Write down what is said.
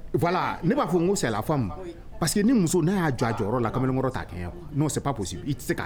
Voila ne b'a fɔ ko c'est la femme, oui, parce que ni muso sɔnna n'a y'a jɔ a jɔyɔrɔ la kamalenkɔrɔ t'a kɛɲɛ non c'est possible